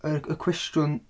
Y yr cwestiwn...